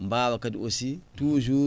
mbaawa kadi aussi toujours